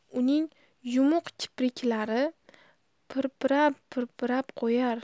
uning yumuq kipriklari pirpirab pirpirab qo'yar